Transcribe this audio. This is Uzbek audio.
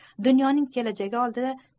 dunyoning kelajagi oldida